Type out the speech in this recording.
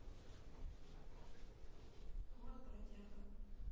вот бродяга